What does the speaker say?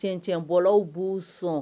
Tiɲɛcɛnbɔlaw b'u sɔn